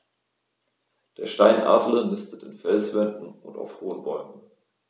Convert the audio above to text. Der Steinadler nistet in Felswänden und auf hohen Bäumen.